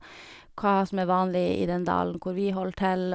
Hva som er vanlig i den dalen hvor vi holder til.